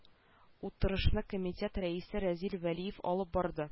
Утырышны комитет рәисе разил вәлиев алып барды